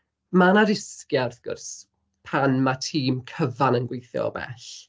Ma' 'na risgiau wrth gwrs, pan ma' tîm cyfan yn gweithio o bell.